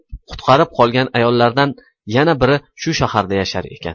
qutqarib qolgan ayollardan yana biri shu shaharda yashar ekan